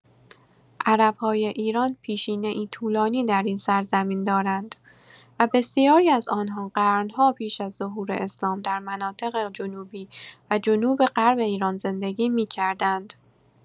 عرب‌های ایران پیشینه‌ای طولانی در این سرزمین دارند و بسیاری از آن‌ها قرن‌ها پیش از ظهور اسلام در مناطق جنوبی و جنوب‌غرب ایران زندگی می‌کردند.